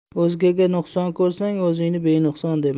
o'zgada nuqson ko'rsang o'zingni benuqson dema